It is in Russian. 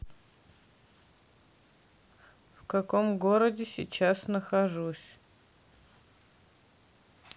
в каком городе сейчас нахожусь